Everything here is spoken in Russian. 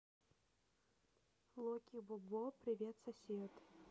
локи бобо привет сосед